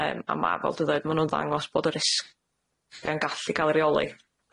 yym a ma' fel dwi ddeud ma' nw'n ddangos bod y risg yn gallu ca'l ei reoli.